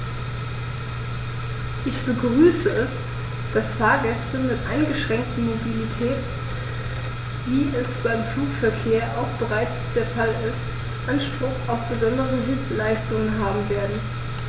Ich begrüße es, dass Fahrgäste mit eingeschränkter Mobilität, wie es beim Flugverkehr auch bereits der Fall ist, Anspruch auf besondere Hilfeleistung haben werden.